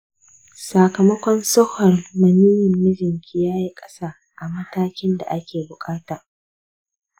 sakamakon siffar maniyyin mijinki yayi ƙasa da matakin da ake ɓukata